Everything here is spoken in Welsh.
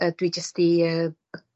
yy dwi jyst 'di yy